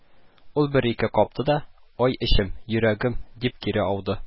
Ул бер-ике капты да, "ай эчем, йөрәгем", – дип кире ауды